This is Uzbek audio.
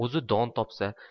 o'zi don topsa